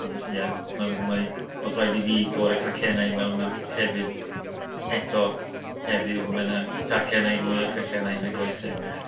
A- s- ie. Mae o mae... oedd rhaid i fi dod a cacennau i mewn ac hefyd eto heddiw, mae 'na cacennau... o ...mwy o cacennau yn y gwaith heddiw.